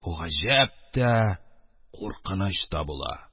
Бу гаҗәп тә, куркыныч та була.